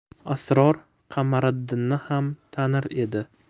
asror qamariddinni xam tanir edi